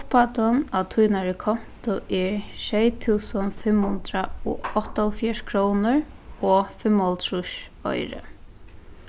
upphæddin á tínari konto er sjey túsund fimm hundrað og áttaoghálvfjerðs krónur og fimmoghálvtrýss oyru